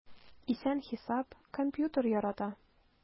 Исәп-хисап, компьютер ярата...